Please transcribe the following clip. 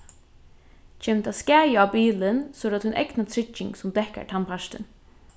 kemur tað skaði á bilin so er tað tín egna trygging sum dekkar tann partin